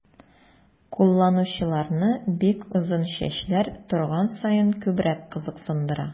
Кулланучыларны бик озын чәчләр торган саен күбрәк кызыксындыра.